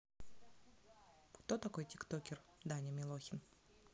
кто такой тиктокер даня милохин